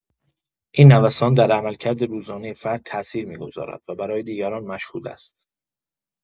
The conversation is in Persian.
این نوسان در عملکرد روزانه فرد تآثیر می‌گذارد و برای دیگران مشهود است.